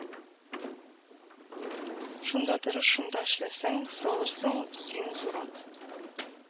Шунда тырыш, шунда эшләсәң, салырсың син зурат